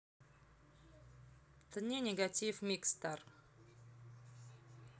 the нигатив mixtape